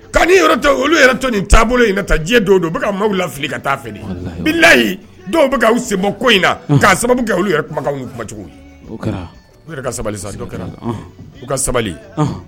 ' olu yɛrɛ to ni taabolo ta diɲɛ don don bɛka ka mo lafi fili ka taayi dɔw bɛ senbon ko in na' kumakan kumacogo sabali sa kɛra ka sabali